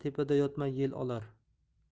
tepada yotma yel olar